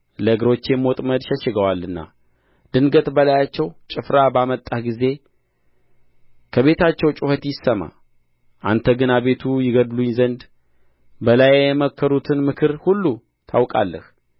ለእግሮቼም ወጥመድ ሸሽገዋልና ድንገት በላያቸው ጭፍራ ባመጣህ ጊዜ ከቤታቸው ጩኸት ይሰማ አንተ ግን አቤቱ ይገድሉኝ ዘንድ በላዬ የመከሩትን ምክር ሁሉ ታውቃለህ